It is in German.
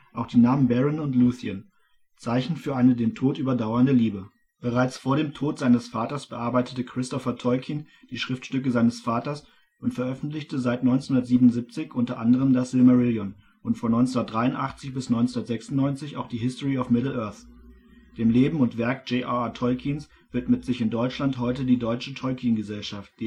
auch die Namen Beren und Lúthien – Zeichen für eine den Tod überdauernde Liebe. Bereits vor dem Tod seines Vaters bearbeitete Christopher Tolkien die Schriftstücke seines Vaters und veröffentlichte seit 1977 unter anderem das Silmarillion und von 1983 bis 1996 auch die History of Middle-Earth. Dem Leben und Werk J. R. R. Tolkiens widmet sich in Deutschland heute die Deutsche Tolkien Gesellschaft